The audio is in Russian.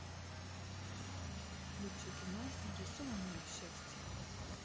включи кино нарисованное счастье